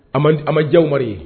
A ma diya mari ye